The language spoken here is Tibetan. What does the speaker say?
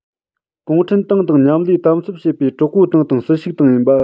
གུང ཁྲན ཏང དང མཉམ ལས དམ ཟབ བྱེད པའི གྲོགས པོའི ཏང དང སྲིད ཞུགས ཏང ཡིན པ